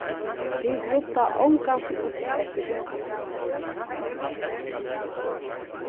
tit rudda ongantíð upp eftir tykkum